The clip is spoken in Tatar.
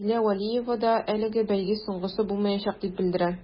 Зилә вәлиева да әлеге бәйге соңгысы булмаячак дип белдерә.